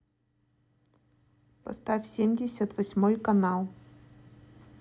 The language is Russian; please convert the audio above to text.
поставь семьдесят восьмой канал